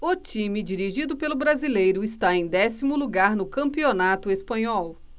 o time dirigido pelo brasileiro está em décimo lugar no campeonato espanhol